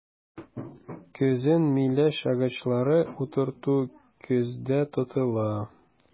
Көзен миләш агачлары утырту күздә тотыла.